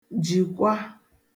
jìkwa